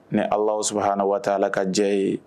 Ni ala su hana waa waati ala ka diya ye